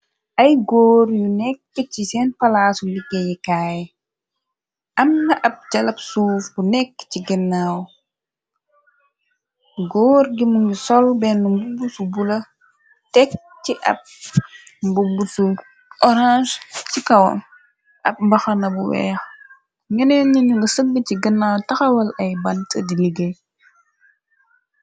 Ay góor yu nekk ci seen palaasu liggéeyi kaay am na ab jalab suuf bu nekk ci ginnaaw góor gi mu ngi sol benn mbubusu bu la tekk ci ab mbu busu orange ci kawam ab mbaxana bu weex ngeneen nañu nga sëgg ci ginnaaw taxawal ay bant di liggéey.